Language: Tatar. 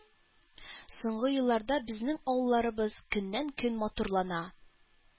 Соңгы елларда безнең авылларыбыз көннән-көн матурлана,